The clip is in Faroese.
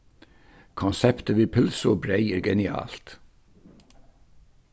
konseptið við pylsu og breyð er genialt